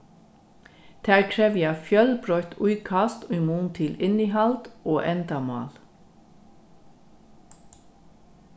tær krevja fjølbroytt íkast í mun til innihald og endamál